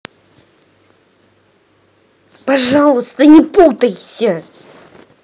пожалуйста не путайся